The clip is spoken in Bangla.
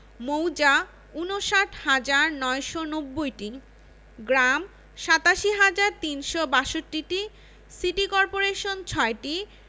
মৌজা ৫৯হাজার ৯৯০টি গ্রাম ৮৭হাজার ৩৬২টি সিটি কর্পোরেশন ৬টি